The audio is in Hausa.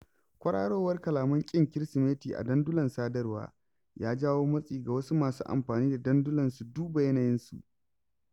Kwararowar kalaman ƙin Kirsimeti a dandulan sadarwa ya jawo matsi ga wasu masu amfani da dandulan su duba yanayinsu.